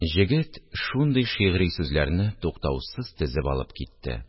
Җегет шундый шигъри сүзләрне туктаусыз тезеп алып китте